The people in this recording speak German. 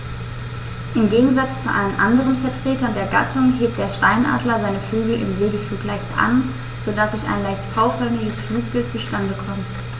Im Gegensatz zu allen anderen Vertretern der Gattung hebt der Steinadler seine Flügel im Segelflug leicht an, so dass ein leicht V-förmiges Flugbild zustande kommt.